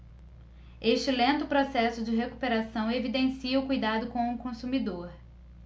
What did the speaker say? este lento processo de recuperação evidencia o cuidado com o consumidor